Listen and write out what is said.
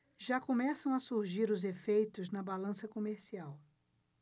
já começam a surgir os efeitos na balança comercial